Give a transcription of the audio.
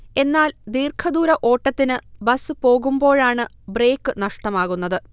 എന്നാൽ ദീർഘദൂര ഓട്ടത്തിന് ബസ് പോകുമ്പോഴാണ് ബ്രേക്ക് നഷ്ടമാകുന്നത്